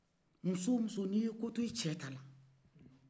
musow musow n'i ye ko t'i cɛ tala